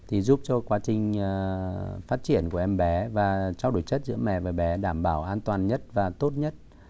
thì giúp cho quá trình à phát triển của em bé và trao đổi chất giữa mẹ và bé đảm bảo an toàn nhất và tốt nhất